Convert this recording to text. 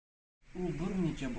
u bir necha